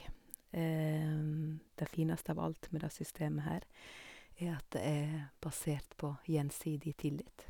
Det fineste av alt med det systemet her, er at det er basert på gjensidig tillit.